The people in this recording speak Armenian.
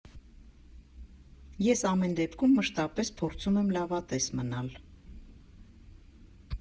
Ես ամեն դեպքում մշտապես փորձում եմ լավատես մնալ։